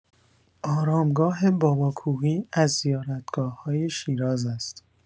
آرامگاه بابا کوهی از زیارتگاه‌های شیراز است.